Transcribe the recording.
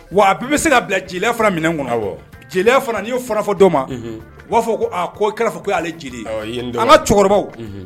Wa a bi bɛ se ka bila jeliya fana minɛn kunna jeliya fana''o fana fɔ dɔ ma b'a fɔ ko ko ko ale jeli an ka cɛkɔrɔbaw